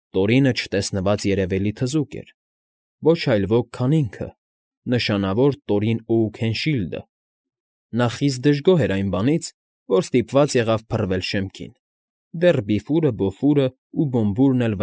Տորինը չտեսնված երևելի թզուկ էր, ոչ այլ ոք, քան ինքը՝ նշանավոր Տորին Օուքենշիլդը, նա խիստ դժգոհ էր այն բանից, որ ստիպված եղավ փռվել շեմքին, դեռ Բիֆուրը, Բոֆուրն ու Բոմբուրն էլ։